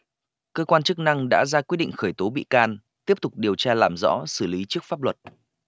cơ quan chức năng đã ra quyết định khởi tố bị can tiếp tục điều tra làm rõ xử lý trước pháp luật